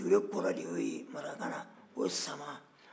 ture kɔrɔ de y'o ye marakakan na ko sama